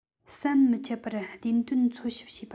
ཟམ མི ཆད པར བདེན དོན འཚོལ ཞིབ བྱེད པ